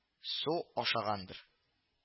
Су ашагандыр